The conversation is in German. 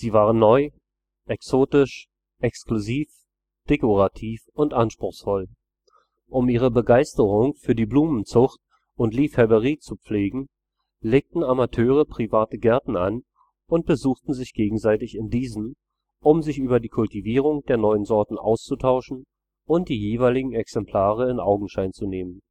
waren neu, exotisch, exklusiv, dekorativ und anspruchsvoll. Um ihre Begeisterung für die Blumenzucht und liefhebberij zu pflegen, legten Amateure private Gärten an und besuchten sich gegenseitig in diesen, um sich über die Kultivierung der neuen Sorten auszutauschen und die jeweiligen Exemplare in Augenschein zu nehmen